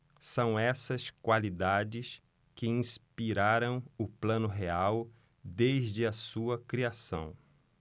são essas qualidades que inspiraram o plano real desde a sua criação